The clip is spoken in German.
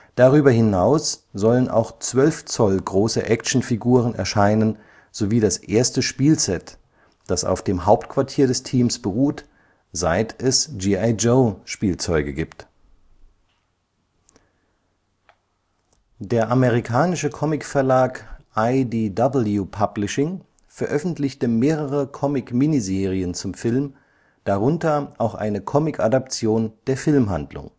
Darüber hinaus sollen auch 12 Zoll große Actionfiguren erscheinen sowie das erste Spielset, das auf dem Hauptquartier des Teams beruht, seit es „ G.I.-Joe “- Spielzeuge gibt. Der amerikanische Comicverlag IDW Publishing veröffentlichte mehrere Comic-Miniserien zum Film, darunter auch eine Comicadaption der Filmhandlung